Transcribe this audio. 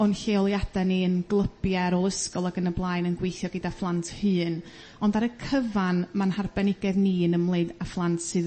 o'n lleoliada' ni yn glybia' ar ôl ysgol ag yn y blaen yn gweithio gyda phlant hŷn ond ar y cyfan ma'n harbenigedd ni yn ymwneud â phlant sydd